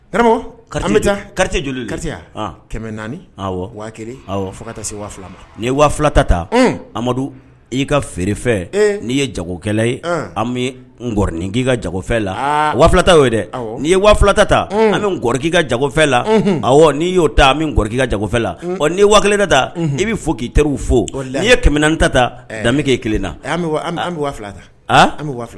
Kari naani n ye filatata amadu i ka feere fɛ n'i ye jagokɛla ye an bɛ n ŋin k'i ka jagofɛ la wa filata ye dɛ nii ye wa filatata an bɛ' ka jakɔgofɛ la aw n'i y'o ta bɛki ka jagofɛ la ɔ ni'i wa kelenda ta i bɛ fɔ k'i teri fo la n ye kɛmɛmi ta ta danbeke i kelen na bɛ bɛ